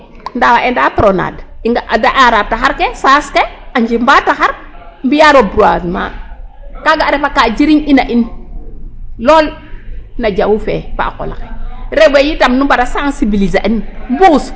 Ndaa ENDA Pronade i nga'a da aaraa taxar ke saas ke a njimbaa taxar, mbi'aa reboisement kaaga a refa ka jiriñ ina in lool na jawu fe fo xa qol axe rew we itam nu mbara sensibliser el mbuus.